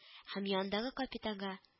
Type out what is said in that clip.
Һәм янындагы капитанга